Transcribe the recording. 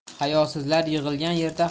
hayosizlar yig'ilgan yerda